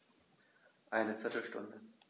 Eine viertel Stunde